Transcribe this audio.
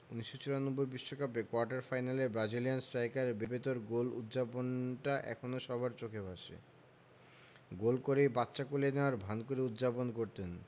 ১৯৯৪ বিশ্বকাপে কোয়ার্টার ফাইনালে Brazilian striker বেবেতোর গোল উদ্যাপনটা এখনো সবার চোখে ভাসে গোল করেই বাচ্চা কোলে নেওয়ার ভান করে উদ্যাপন করতেন